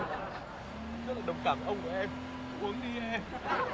nghe rất là đồng cảm với ông của em uống đi em